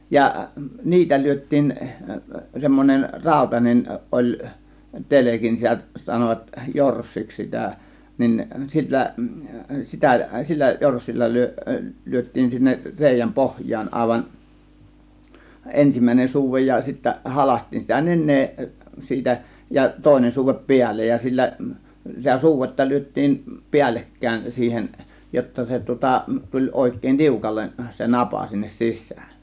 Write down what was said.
ja niitä lyötiin semmoinen rautainen oli telkin sitä sanovat jorssiksi sitä niin sillä sitä sillä jorssilla - lyötiin sinne reiän pohjaan aivan ensimmäinen suude ja sitten halkaistiin sitä nenää siitä ja toinen suude päälle ja sillä sitä suudetta lyötiin päällekkäin siihen jotta se tuota tuli oikein tiukalle se napa sinne sisään